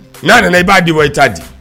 N'a nana i b'a di wa i t'a di